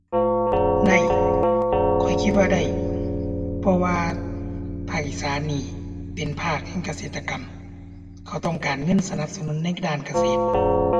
ได้ ข้อยคิดว่าได้ เพราะว่าภาคอีสานนี่เป็นภาคแห่งเกษตรกรรม เขาต้องการเงินสนับสนุนในด้านเกษตร